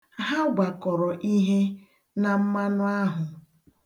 Ha gwakọrọ ihe na mmanụ ahụ.